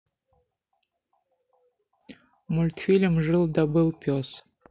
мультфильм жил да был пес